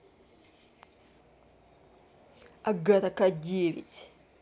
агата ка девять